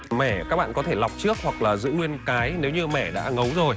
mẻ các bạn có thể lọc trước hoặc là giữ nguyên cái nếu như mẻ đã ngấu rồi